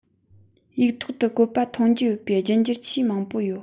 ཡིག ཐོག ཏུ བཀོད པ མཐོང རྒྱུ ཡོད པའི རྒྱུད འགྱུར ཆེས མང པོ ཡོད